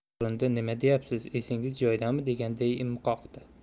chuvrindi nima deyapsiz esingiz joyidami deganday im qoqdi